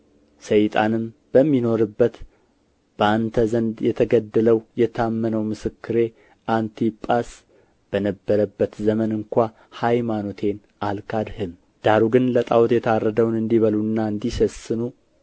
ሰይጣንም በሚኖርበት በእናንተ ዘንድ የተገደለው የታመነው ምስክሬ አንቲጳስ በነበረበት ዘመን እንኳ ሃይማኖቴን አልካድህም ዳሩ ግን ለጣዖት የታረደውን እንዲበሉና እንዲሴስኑ